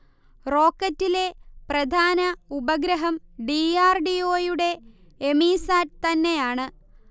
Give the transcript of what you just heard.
റോക്കറ്റിലെ പ്രധാന ഉപഗ്രഹം D. R. D. O. യുടെ എമീസാറ്റ് തന്നെയാണ്